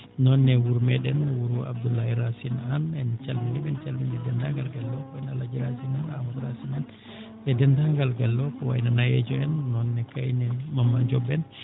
noon ne wuro meeɗen wuro Abdoulaye Racine Anne en calminii ɓe en calminii deenndaangal galle o hono Alaji Racine en Amadou Racine en e deenndaangal galle o ko wayi no nayeejo en noon ne kayne Mamma Diom en